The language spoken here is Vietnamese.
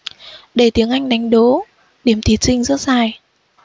đề tiếng anh đánh đố điểm thí sinh rớt dài